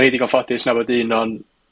O'n i digon ffodus nabod un o'n